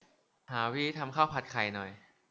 หาวิธีทำข้าวผัดไข่หน่อย